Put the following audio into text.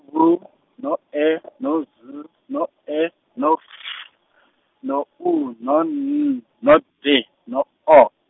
K, no E, no Z, no E, no F, no U, no N, no D, no O.